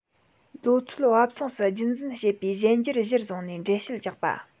ལོ ཚོད བབ མཚུངས སུ རྒྱུད འཛིན བྱེད པའི གཞན འགྱུར གཞིར བཟུང ནས འགྲེལ བཤད རྒྱག པ